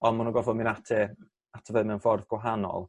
on' ma' n'w gorffod mynd at yy ato fe mewn ffordd gwahanol.